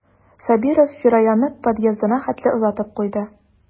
Сабиров Фираяны подъездына хәтле озатып куйды.